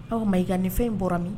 Aw ma i ka nin fɛn in bɔra min